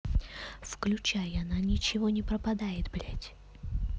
включай она ничего не пропадает блядь